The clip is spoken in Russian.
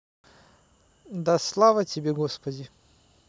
да слава тебе господи